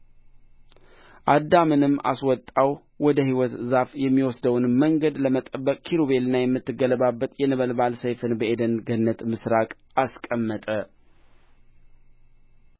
አዳምንም አስወጣው ወደ ሕይወት ዛፍ የሚወስደውንም መንገድ ለመጠበቅ ኪሩቤልንና የምትገለባበጥ የነበልባል ሰይፍን በዔድን ገነት ምሥራቅ አስቀመጠ